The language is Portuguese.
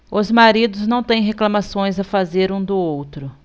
os maridos não têm reclamações a fazer um do outro